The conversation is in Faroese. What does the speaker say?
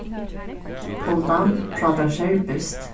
poul dam prátar serbiskt